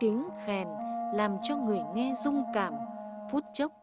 tiếng khèn làm cho người nghe rung cảm phút chốc